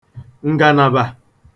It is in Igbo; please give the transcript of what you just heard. ǹgànàbà